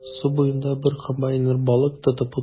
Су буенда бер комбайнер балык тотып утыра.